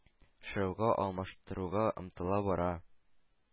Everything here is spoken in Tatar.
Шоуга алмаштыруга омтылу бара.